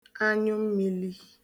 anyụmmilī